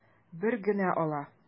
Бер генә ала.